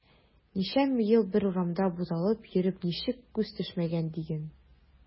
Ничәмә ел бер урамда буталып йөреп ничек күз төшмәгән диген.